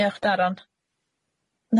Diolch Daron.